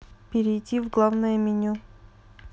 перейти в главное меню